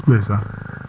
ndeysaan